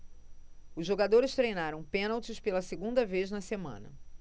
os jogadores treinaram pênaltis pela segunda vez na semana